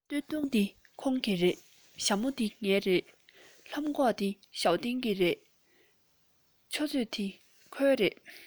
སྟོད ཐུང འདི ཁོང གི རེད ཞྭ མོ འདི ངའི རེད ལྷམ གོག འདི ཞའོ ཏིང གི རེད ཆུ ཚོད འདི ཁོའི རེད